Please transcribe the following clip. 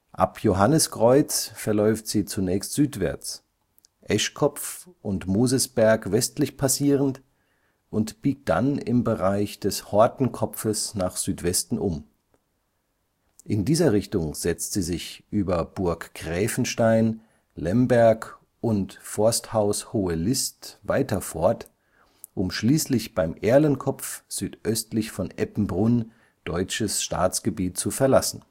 Ab Johanniskreuz verläuft sie zunächst südwärts – Eschkopf und Mosisberg westlich passierend – und biegt dann im Bereich des Hortenkopfes nach Südwesten um; in dieser Richtung setzt sie sich über Burg Gräfenstein, Lemberg und Forsthaus Hohe List weiter fort, um schließlich beim Erlenkopf südöstlich von Eppenbrunn deutsches Staatsgebiet zu verlassen